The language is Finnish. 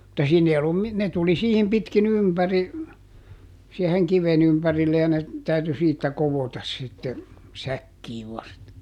mutta siinä ei ollut - ne tuli siihen pitkin ympäri siihen kiven ympärille ja ne täytyi siitä koota sitten säkkiin vasta